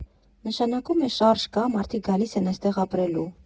Նշանակում է՝ շարժ կա, մարդիկ գալիս են այստեղ ապրելու։